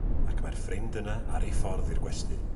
Ac mae'r ffrind yna ar ei ffordd i'r gwesty.